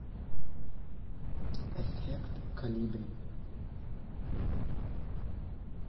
эффект колибри